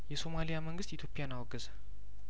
የሶማሊያ መንግስት ኢትዮፕያን አወገዘ